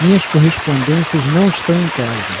minhas correspondências não estão em casa